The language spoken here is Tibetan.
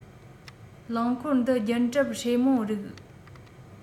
རླངས འཁོར འདི རྒྱུན གྲབས སྲེ མོང རིགས